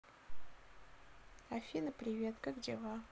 афина привет как дела